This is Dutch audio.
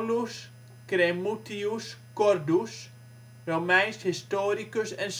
Aulus Cremutius Cordus, Romeins historicus en